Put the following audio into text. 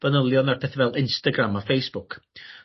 fanylion ar petha fel Instagram a Facebook.